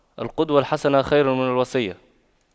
القدوة الحسنة خير من الوصية